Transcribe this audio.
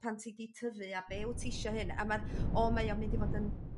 pan ti 'di tyfu a be' w't tisio hyn a ma'n o mae o'n mynd i fod yn